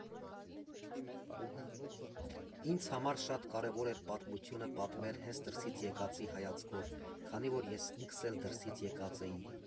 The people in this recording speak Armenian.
Ինձ համար շատ կարևոր էր պատմությունը պատմել հենց դրսից եկածի հայացքով, քանի որ ես ինքս էլ դրսից եկած էի։